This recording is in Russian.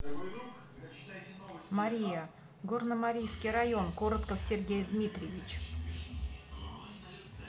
мария горномарийский район коротков сергей дмитриевич